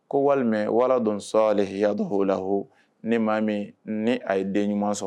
Ko walima wala dɔ sɔ de h don oo la h ne ma min ni a ye den ɲuman sɔrɔ